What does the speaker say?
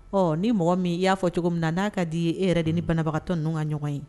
Ɔ ni mɔgɔ min i y'a fɔ cogo min na n'a ka di' e yɛrɛ de ni banabagatɔ n ninnu ka ɲɔgɔn ye